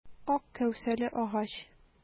Ак кәүсәле агач.